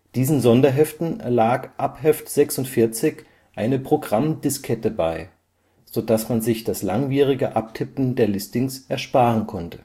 Diesen Sonderheften lag ab Heft 46 eine Programm-Diskette bei, so dass man sich das langwierige Abtippen der Listings ersparen konnte